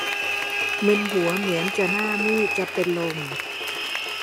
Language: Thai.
มึนหัวเหมือนจะหน้ามืดจะเป็นลม